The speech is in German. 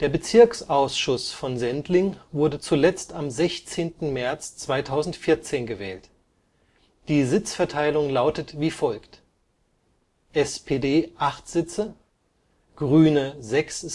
Bezirksausschuss von Sendling wurde zuletzt am 16. März 2014 gewählt. Die Sitzverteilung lautet wie folgt: SPD 8, Grüne 6